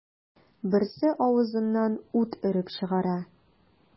Берсе авызыннан ут өреп чыгара.